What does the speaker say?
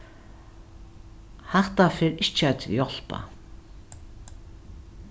hatta fer ikki at hjálpa